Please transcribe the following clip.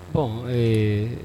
Bon ee